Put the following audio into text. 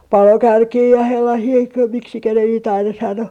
palokärkiä ja sellaisia miksi ne niitä aina sanoi